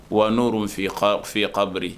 Wa n'o y f kabiri